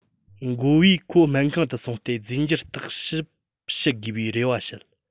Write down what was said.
མགོ བས ཁོ སྨན ཁང དུ སོང སྟེ རྫས འགྱུར བརྟག ཞིབ བྱེད དགོས པའི རེ བ བཤད